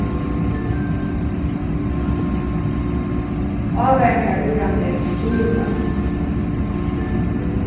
ávaringarlúðrarnir ýla